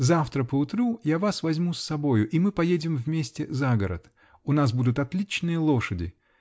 Завтра поутру я вас возьму с собою -- и мы поедем вместе за город. У нас будут отличные лошади.